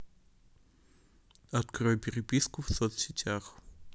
открой переписку в соцсетях